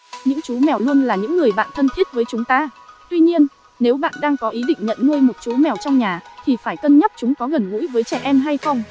những chú mèo luôn là những người bạn thân thiết với chúng ta tuy nhiên nếu bạn đang có ý định nhận nuôi một chú mèo trong nhà thì phải cân nhắc chúng có gần gũi với trẻ em hay không